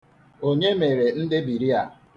Onye mere ndebiri a?